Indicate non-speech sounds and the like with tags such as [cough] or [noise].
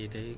[hesitation] [hesitation]